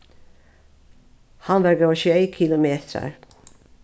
hann var góðar sjey kilometrar